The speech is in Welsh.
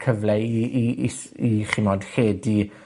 cyfle i i i i s- i chi 'mod lledu